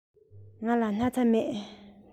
ང ལ སྣག ཚ མེད